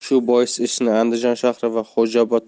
shu bois ishni andijon shahri va xo'jaobod